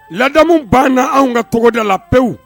Ladamu banna na anw ka tɔgɔda la pewu